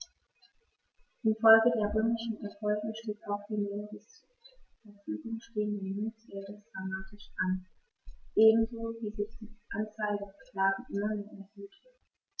Infolge der römischen Erfolge stieg auch die Menge des zur Verfügung stehenden Münzgeldes dramatisch an, ebenso wie sich die Anzahl der Sklaven immer mehr erhöhte.